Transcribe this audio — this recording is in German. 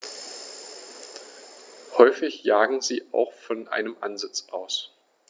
Häufig jagen sie auch von einem Ansitz aus.